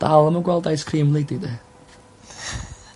Dal 'im yn gweld ice cream lady 'de.